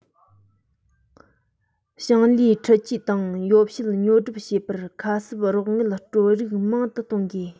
ཞིང ལས འཕྲུལ ཆས དང ཡོ བྱད ཉོ སྒྲུབ བྱེད པར ཁ གསབ རོགས དངུལ སྤྲོད རིགས མང དུ གཏོང དགོས